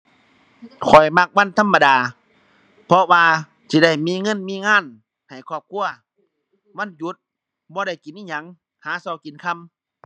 ข้อยมักวันธรรมดา เพราะว่าสิได้มีเงินมีงานให้ครอบครัว วันหยุดบ่ได้กินอิหยัง หาเช้ากินค่ำ